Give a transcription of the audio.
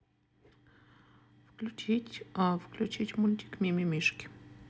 включить включить мультик ми ми мишки